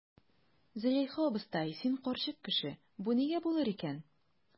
Зөләйха абыстай, син карчык кеше, бу нигә булыр икән?